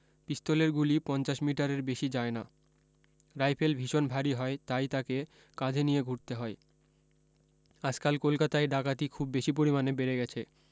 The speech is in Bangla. পিস্তলের গুলি পঞ্চাশ মিটারের বেশী যায় না রাইফেল ভীষন ভারী হয় তাই তাকে কাঁধে নিয়ে ঘুরতে হয় আজকাল কলকাতায় ডাকাতি খুব বেশী পরিমাণে বেড়ে গেছে